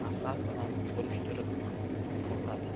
nafrat bilan burishtirib to'ng'illadi